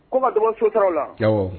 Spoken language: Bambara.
Ko ma dɔgɔ so taraweleraw la diya rɔ